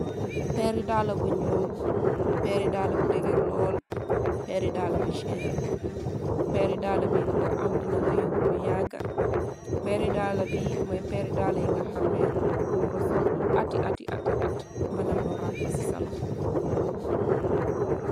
peeri daala bu ñuul peeri daala bu degeer lool peeri daala bu chenre peeri daala bi ki ko am dina la yóbb lu yagga moy peeri daala yi nga xamne bingo sol yi ati-ati ati at bala mo ràppaci ca lox